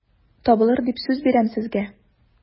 Табылыр дип сүз бирәм сезгә...